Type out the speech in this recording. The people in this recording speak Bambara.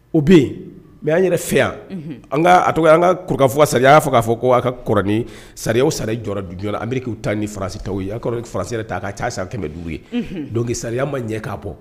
O bɛ yen mɛ y an yɛrɛ fɛ yan an a tɔgɔ an kafɔsa sariya y'a fɔ'a fɔ ko' ka kɔrɔni sa sariya sa jɔ dujɔ an bɛri k' ta niransi ta ye faransɛ ta ka ca san kɛmɛ dugu ye do sariyaya ma ɲɛ k'a bɔ